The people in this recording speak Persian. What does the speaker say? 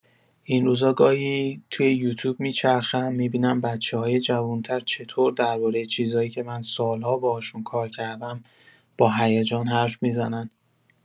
این روزا گاهی توی یوتیوب می‌چرخم، می‌بینم بچه‌های جوون‌تر چطور درباره چیزایی که من سال‌ها باهاشون کار کردم، با هیجان حرف می‌زنن.